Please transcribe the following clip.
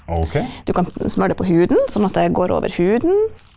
du kan smøre det på huden sånn at det går over huden.